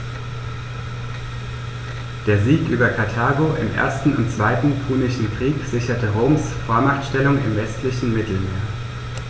Der Sieg über Karthago im 1. und 2. Punischen Krieg sicherte Roms Vormachtstellung im westlichen Mittelmeer.